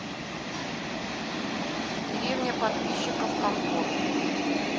деревня подписчиков компот